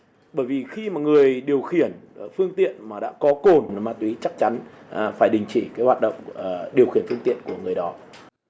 bởi vì khi mà người điều khiển phương tiện mà đã có cồn và ma túy chắc chắn phải đình chỉ hoạt động ờ điều khiển phương tiện của người đó